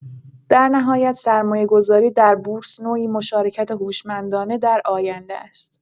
در نهایت سرمایه‌گذاری در بورس نوعی مشارکت هوشمندانه در آینده است.